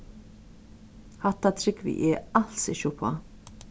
hatta trúgvi eg als ikki uppá